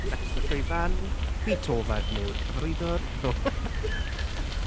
Next to the llwyfan, Beethoven yw'r cyfarwyddwr, no